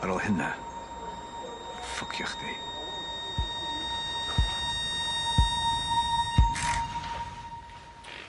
Ar ôl hynna, ffwcio chdi.